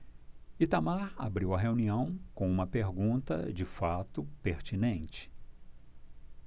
itamar abriu a reunião com uma pergunta de fato pertinente